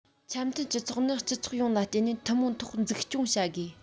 འཆམ མཐུན སྤྱི ཚོགས ནི སྤྱི ཚོགས ཡོངས ལ བརྟེན ནས ཐུན མོང ཐོག འཛུགས སྐྱོང བྱ དགོས